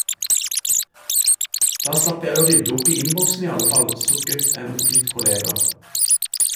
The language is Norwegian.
Da slapp jeg å rydde opp i innboksen i alle fall, sukket en oppgitt kollega.